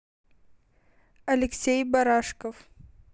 алексей барашков